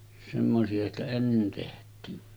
semmoisia sitä ennen tehtiin